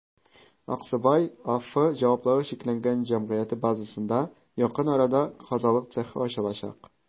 «аксубай» аф» җчҗ базасында якын арада казылык цехы ачылачак.